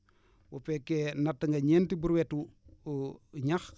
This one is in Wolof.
bu fekkee natt nga ñeenti brouettes ñax